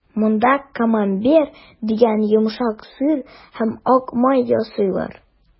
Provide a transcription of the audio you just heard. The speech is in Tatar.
Монда «Камамбер» дигән йомшак сыр һәм ак май ясыйлар.